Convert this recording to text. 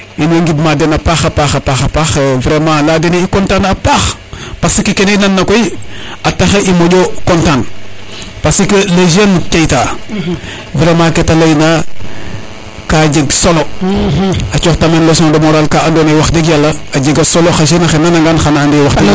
in way ngid ma dena a paxa paaxa paxa paax vraiment leya dene i content na a paax parce kene i nana koy a taxa i moƴo content parce que le jeune Keita vraiment kete leyna ka jeg solo a cooxta meen lecon de motarl ka ando naye a jega solo xa jeune axe nanangan xaye ande wax deg